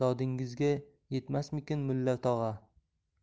dodingizga yetmasmikin mulla tog'a